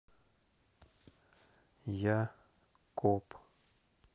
я коп